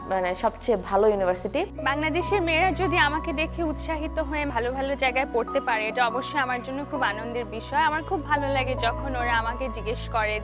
world এর সবচেয়ে ভালো ইউনিভার্সিটি বাংলাদেশি মেয়েরা যদি আমাকে দেখে উৎসাহিত হয়ে ভালো ভালো জায়গায় পড়তে পারে এটা অবশ্যই আমার জন্য খুব আনন্দের বিষয় আমার খুব ভালো লাগে যখন ওরা আমাকে জিজ্ঞেস করে